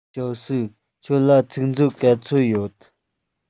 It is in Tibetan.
ཞའོ སུའུ ཁྱོད ལ ཚིག མཛོད ག ཚོད ཡོད